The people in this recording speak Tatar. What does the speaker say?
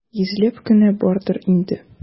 Йөзләп кенә бардыр инде.